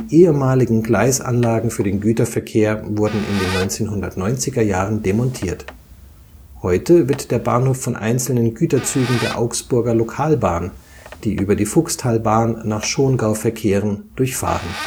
ehemaligen Gleisanlagen für den Güterverkehr wurden in den 1990er Jahren demontiert. Heute wird der Bahnhof von einzelnen Güterzügen der Augsburger Localbahn, die über die Fuchstalbahn nach Schongau verkehren, durchfahren